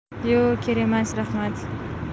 yo'q kerakmas rahmat